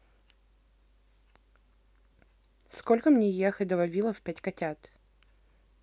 сколько мне ехать до вавилов пять котят